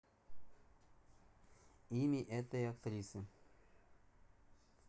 имя этой актрисы